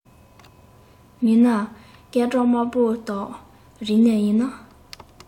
མིན ན སྐར གྲངས དམར པོ དག རིག གནས ཡིན ནམ